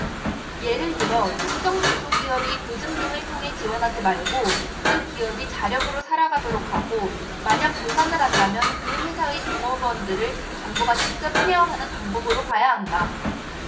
예를 들어 특정 중소기업을 보증 등을 통해 지원하지 말고 그 기업이 자력으로 살아가도록 하고 만약 도산을 한다면 그 회사의 종업원들을 정부가 직접 케어하는 방법으로 가야 한다